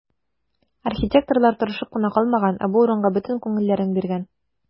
Архитекторлар тырышып кына калмаган, ә бу урынга бөтен күңелләрен биргән.